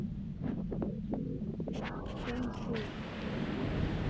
кунг фу